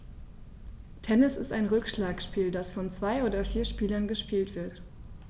Tennis ist ein Rückschlagspiel, das von zwei oder vier Spielern gespielt wird.